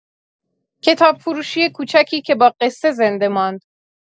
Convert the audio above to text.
کتاب‌فروشی کوچکی که با قصه زنده ماند.